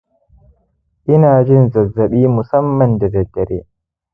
ina jin zazzaɓi musamman da daddare